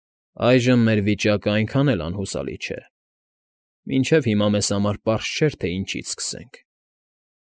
Այժմ մեր վիճակն այնքան էլ անհուսալի չէ։ Մինչև հիմա մեզ համար պարզ չէր, թե ինչից սկսենք։